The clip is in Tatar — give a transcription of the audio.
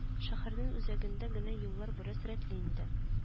Шәһәрнең үзәгендә генә юллар бераз рәтле инде